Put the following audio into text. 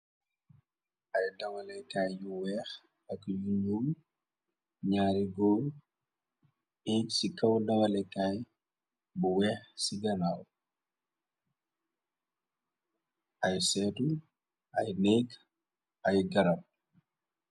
Ay dawalekaay yu weex ak yu ñuul, ñaari góor ég ci kaw dawalekaay bu weex ci ganaaw, ay seetu , ay néek, ay garab.